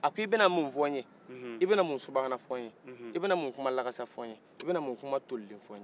a k'i bɛna mun fɔ nye i bɛna mun subahana fɔ ye i bɛna mun kuma lagasa fɔ nye i bɛna mun kuma tollile fɔ nye